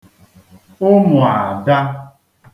ụmụ̀adā